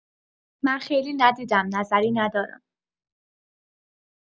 من خیلی ندیدم، نظری ندارم.